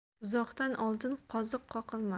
buzoqdan oldin qoziq qoqilmas